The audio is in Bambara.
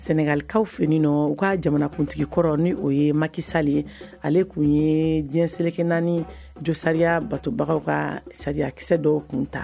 Sɛnɛgalikaw fɛ yen nɔ u kaa jamanakuntigi kɔrɔ ni o ye Maki sali, ale tun ye diɲɛ seleke naani jo sariaya batobagaw ka sariyakisɛsɛ dɔw kun ta